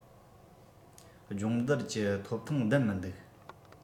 སྦྱོང བརྡར གྱི ཐོབ ཐང ལྡན མི འདུག